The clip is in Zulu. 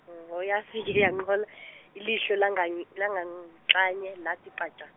oh yafika ihlo langanxe- langanxanye lathi patsha.